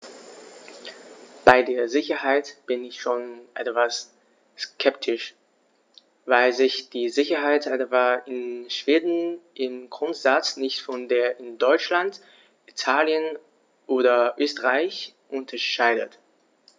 Bei der Sicherheit bin ich schon etwas skeptisch, weil sich die Sicherheit etwa in Schweden im Grundsatz nicht von der in Deutschland, Italien oder Österreich unterscheidet.